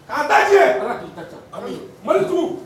K'a ta tiɲɛ, Mali juguw